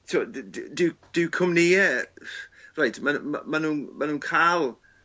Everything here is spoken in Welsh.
ti'o' dy- dy- dyw dyw cwmnie reit ma' n- ma' ma' nw'n ma' nw'n ca'l